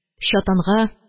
Чатанга